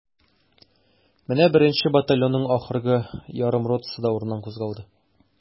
Менә беренче батальонның ахыргы ярым ротасы да урыныннан кузгалды.